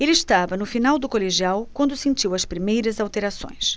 ele estava no final do colegial quando sentiu as primeiras alterações